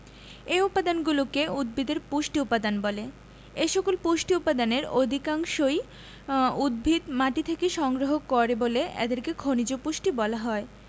এ উপাদানগুলোকে উদ্ভিদের পুষ্টি উপাদান বলে এসকল পুষ্টি উপাদানের অধিকাংশই উদ্ভিদ মাটি থেকে সংগ্রহ করে বলে এদেরকে খনিজ পুষ্টি বলা হয়